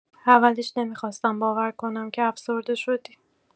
اولش نمی‌خواستم باور کنم که افسرده شدی.